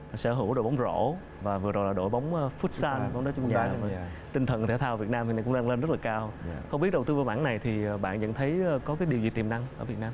sở hữu đội bóng rổ và vừa rồi là đội bóng phút san bóng đá trong nhà tinh thần thể thao việt nam thì cũng đang lên rất là cao không biết đầu tư mảng này thì bạn nhận thấy có điều gì tiềm năng ở việt nam